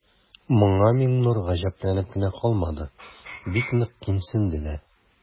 Моңа Миңнур гаҗәпләнеп кенә калмады, бик нык кимсенде дә.